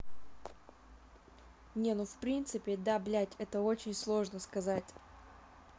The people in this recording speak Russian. не ну в принципе да блять это очень сложно сказать